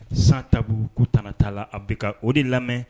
Sans tabou ko tanan t'ala a bɛ ka o de lamɛn